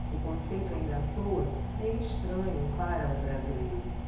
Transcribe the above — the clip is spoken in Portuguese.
o conceito ainda soa meio estranho para o brasileiro